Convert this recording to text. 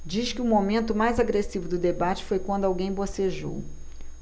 diz que o momento mais agressivo do debate foi quando alguém bocejou